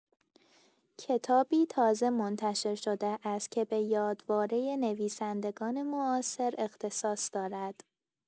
کتابی تازه منتشر شده است که به یادوارۀ نویسندگان معاصر اختصاص دارد.